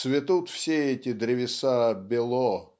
цветут все эти древеса бело